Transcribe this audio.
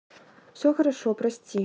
все хорошо прости